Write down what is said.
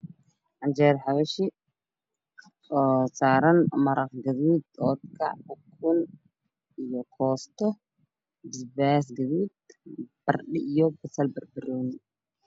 Canjeero xabashi oo saaran maraq guduud oodkac ukun iyo koosto basbaasguduud baradho iyo basal barbarooni